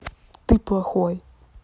ты плохой